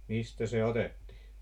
mistä se otettiin